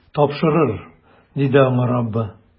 Тапшырыр, - диде аңа Раббы.